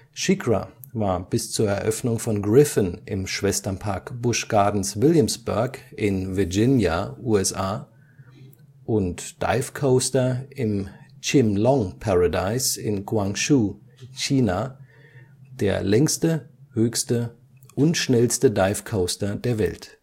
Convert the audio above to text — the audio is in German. SheiKra war bis zur Eröffnung von Griffon im Schwesterpark Busch Gardens Williamsburg (Virginia, USA) und Dive Coaster im Chime-Long Paradise (Guangzhou, China) der längste, höchste und schnellste Dive Coaster der Welt